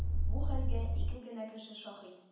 Бу хәлгә ике генә кеше шаһит.